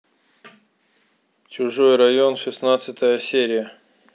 чужой район шестнадцатая серия